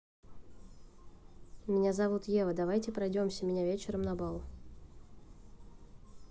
меня зовут ева давайте пройдемся меня вечером на бал